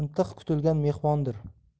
intiq kutilgan mehmondir